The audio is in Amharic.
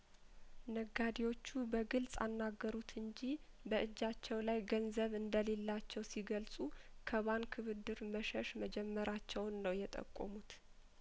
ነጋዴዎቹ በግልጽ አናገሩት እንጂ በእጃቸው ላይ ገንዘብ እንደሌላቸው ሲገልጹ ከባንክ ብድር መሸሽ መጀመራቸውን ነው የጠቆሙት